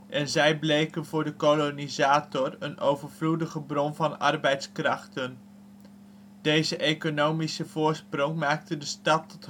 en zij bleken voor de kolonisator een overvloedige bron van arbeidskrachten. Deze economische voorsprong maakte de stad